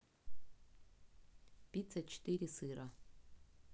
пицца четыре сыра